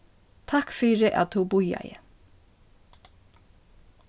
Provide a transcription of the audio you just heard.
takk fyri at tú bíðaði